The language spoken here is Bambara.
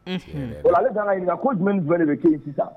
Wa ale dayi ko jumɛn dɔ de bɛ ke yen sisan